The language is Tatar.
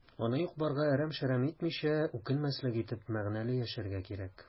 Аны юк-барга әрәм-шәрәм итмичә, үкенмәслек итеп, мәгънәле яшәргә кирәк.